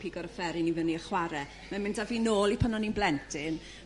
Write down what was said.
pigo'r offeryn i fyny a chwar'e mae'n mynd â fi nôl i pan o'n ni'n blentyn